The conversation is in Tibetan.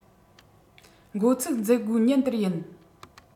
འགོ ཚུགས མཛད སྒོའི ཉིན དེར ཡིན